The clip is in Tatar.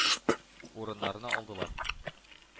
Урыннарны алдылар.